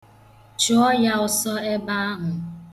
Chụọ ya ọsọ ebe ahụ.